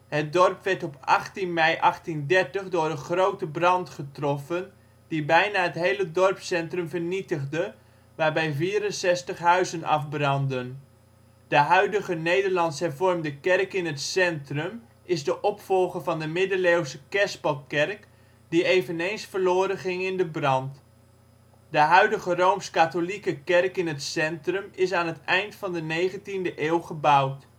Het dorp werd op 18 mei 1830 door een grote brand getroffen, die bijna het hele dorpscentrum vernietigde waarbij 64 huizen afbrandden. De huidige Nederlands Hervormde kerk in het centrum is de opvolger van de middeleeuwse kerspelkerk die eveneens verloren ging in de brand. De huidige Rooms-Katholieke kerk in het centrum is aan het eind van de negentiende eeuw gebouwd